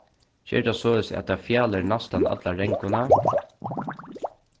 ger tað soleiðis at tað fjalir næstan alla ranguna